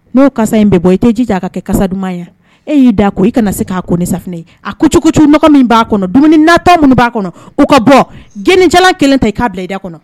N'o kasa in bɛɛ bɔ i t'i jija a ka kɛ kasa duman ye, e y'i da a ko i kana se k'a ko ni safunɛ ye, a kucukucu nɔgɔ min b'a kɔnɔ dumuni kasa minnu b'a kɔnɔ o ka bɔ, geni jalan kelen ta k'a bila i da kɔnɔ